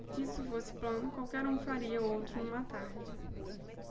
se isso fosse plano qualquer um faria outro numa tarde